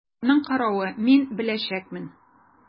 Аның каравы, мин беләчәкмен!